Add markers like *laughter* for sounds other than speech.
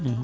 *hesitation* *hesitation*